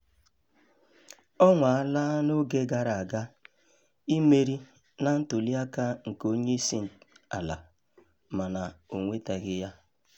Ọ nwaala n'oge gara aga imeri na ntụliaka nke onye isi ala mana o nwetabeghị ya.